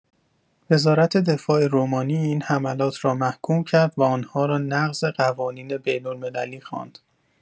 وزارت دفاع رومانی این حملات را محکوم کرد و آنها را نقض قوانین بین‌المللی خواند.